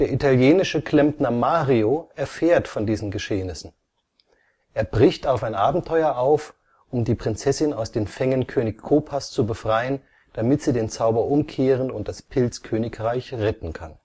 italienische Klempner Mario erfährt von diesen Geschehnissen. Er bricht auf ein Abenteuer auf, um die Prinzessin aus den Fängen König Koopas zu befreien, damit sie den Zauber umkehren und das Pilzkönigreich retten kann